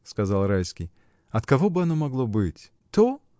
— сказал Райский, — от кого бы оно могло быть? — То?.